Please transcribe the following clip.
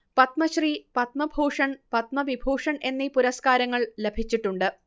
പത്മശ്രീ പത്മഭൂഷൺ പത്മ വിഭൂഷൺ എന്നീ പുരസ്കാരങ്ങൾ ലഭിച്ചിട്ടുണ്ട്